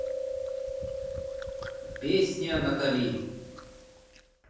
песня натали